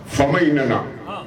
Faama i nana